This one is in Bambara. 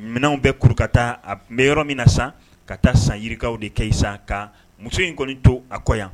Minɛnw bɛ kuru ka taa a kbɛ yɔrɔ min na sa ka taa san yirikaw de kɛ ye sa k'a muso in kɔni too a kɔ yan